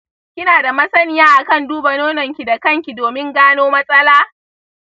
kina da masaniya akan duba nononki da kanki domin gano matsala?